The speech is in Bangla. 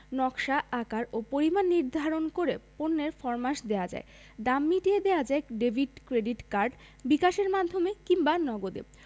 নকশা আকার ও পরিমাণ নির্ধারণ করে পণ্যের ফরমাশ দেওয়া যায় দাম মিটিয়ে দেওয়া যায় ডেভিড ক্রেডিট কার্ড বিকাশের মাধ্যমে কিংবা নগদে